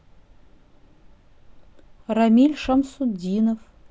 рамиль шамсутдинов